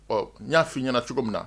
Ɔ n y'a f fɔ i ɲɛna cogo min na